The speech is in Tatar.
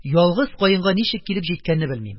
Ялгыз каенга ничек килеп җиткәнне белмим.